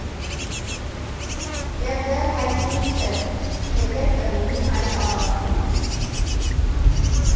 ԵՒ դեռ հայտնի չէ, թե երբ կլինի այդ ավարտը։